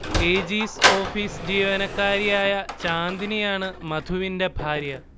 AG's office ജീവനക്കാരിയായ ചാന്ദ്നിയാണ് മധുവന്റെ ഭാര്യ